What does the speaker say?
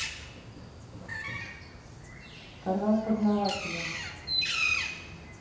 канал познаватели